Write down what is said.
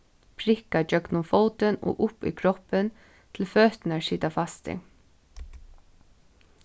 prikka gjøgnum fótin og upp í kroppin til føturnir sita fastir